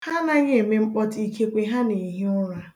Ha anaghị eme mkpọtụ, ikekwe ha na-ehi ụra